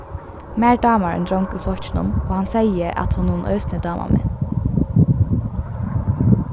mær dámar ein drong í flokkinum og hann segði at honum eisini dámar meg